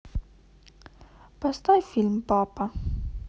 поставь фильм папа